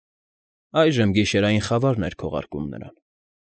Այժմ գիշերային խավարն էր քողարկում նրան։